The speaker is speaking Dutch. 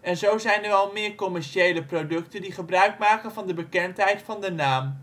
en zo zijn er wel meer commerciële producten die gebruikmaken van de bekendheid van de naam